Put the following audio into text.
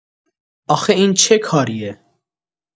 آخه این چه کاریه؟